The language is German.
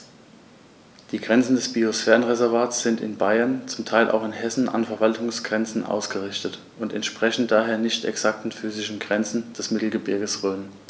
Die Grenzen des Biosphärenreservates sind in Bayern, zum Teil auch in Hessen, an Verwaltungsgrenzen ausgerichtet und entsprechen daher nicht exakten physischen Grenzen des Mittelgebirges Rhön.